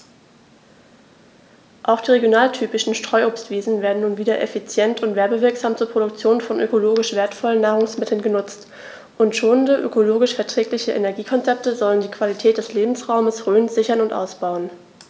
Auch die regionaltypischen Streuobstwiesen werden nun wieder effizient und werbewirksam zur Produktion von ökologisch wertvollen Nahrungsmitteln genutzt, und schonende, ökologisch verträgliche Energiekonzepte sollen die Qualität des Lebensraumes Rhön sichern und ausbauen.